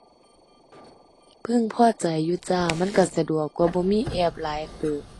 พึงพอใจอยู่จ้า มันก็สะดวกกว่าบ่มีแอปหลายเติบ